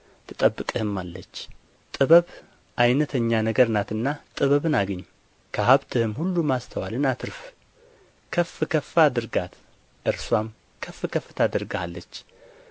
ትጠብቅህማለች ጥበብ ዓይነተኛ ነገር ናትና ጥበብን አግኝ ከሀብትህም ሁሉ ማስተዋልን አትርፍ ከፍ ከፍ አድርጋት እርስዋም ከፍ ከፍ ታደርግሃለች